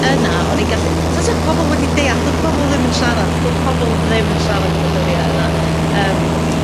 yna o'n i'n gallu... Tysa pobol wedi deallt. Do'dd pobol ddim yn siarad. Do'dd pobol ddim yn siarad yn y dyddiau yna, yym